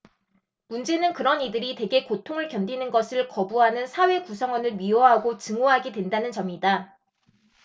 문제는 그런 이들이 대개 고통을 견디는 것을 거부하는 사회 구성원을 미워하고 증오하게 된다는 점이다